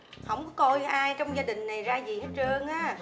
hổng có coi ai trong gia đình này ra gì hết trơn á